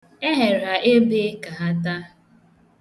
Eghere ya ebe ka ha taa.